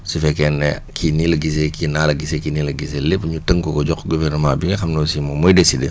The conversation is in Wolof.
su fekkee ne kii nii la gisee kii naa la gisee kii nii la gisee lépp ñu tënk ko jox ko gouvernement bi nga xam ne aussi mooy décidé